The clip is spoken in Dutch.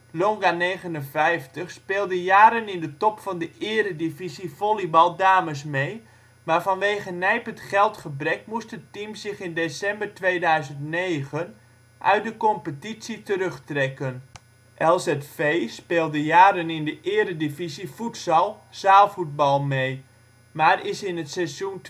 Longa'59 en LZV bekend. Longa ' 59 speelde jaren in top van de eredivisie volleybal dames mee, maar vanwege nijpend geldgebrek moest het team zich in december 2009 uit de competitie terugtrekken. LZV speelde jaren in de Eredivisie Futsal (zaalvoetbal) mee, maar is in het seizoen